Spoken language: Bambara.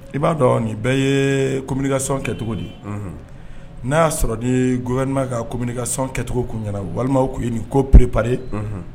I b'a dɔn nin bɛɛ ye communication kɛcogo de ye, unhun, n'a y'a sɔrɔ ni gouvernement ka communication kɛcogo tun ɲɛna walima u tun ye nin ko préparé unhun